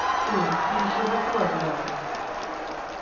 ой ты еще заплачь давай